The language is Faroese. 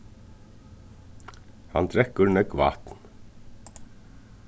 hann drekkur nógv vatn